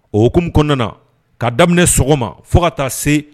O hokumu kɔɔna na ka daminɛ sɔgɔma fo ka taa se